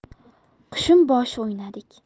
qushim boshi o'ynadik